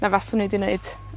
na faswn i 'di neud